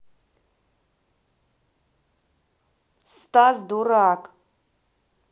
стас дурак